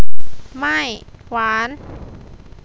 ไม่หวาน